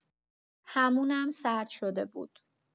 همونم سرد شده بود.